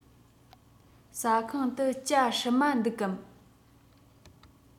ཟ ཁང དུ ཇ སྲུབས མ འདུག གམ